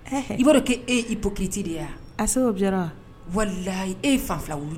I ba dɔn ko e ye hypocrite de ye wa? A sero bɛɛ la wa? walayi e ye fan fila wulunin de ye.